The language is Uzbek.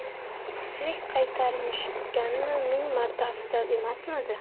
tirik qaytarishmagani ming marta afzal emasmidi